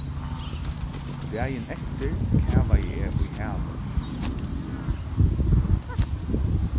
dagin eftir kavaði eg í havið